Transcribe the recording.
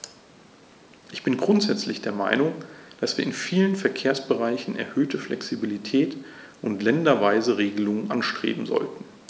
Ich bin grundsätzlich der Meinung, dass wir in vielen Verkehrsbereichen erhöhte Flexibilität und länderweise Regelungen anstreben sollten.